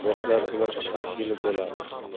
yil yoshlar bilan ishlash yili bo'ladi